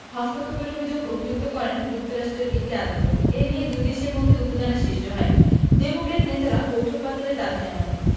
হস্তক্ষেপের অভিযোগে অভিযুক্ত করেন যুক্তরাষ্ট্রের একটি আদালত এ নিয়ে দুই দেশের মধ্যে উত্তেজনা শিষ্টি হয় ডেমোক্র্যাট নেতারা বৈঠক বাতিলের দাবি জানান